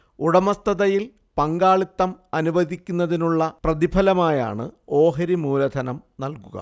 ഉടമസ്ഥതയിൽ പങ്കാളിത്തം അനുവദിക്കുന്നതിനുള്ള പ്രതിഫലമായാണ് ഓഹരി മൂലധനം നൽകുക